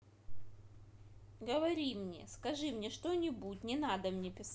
говори мне скажи мне что нибудь не надо мне писать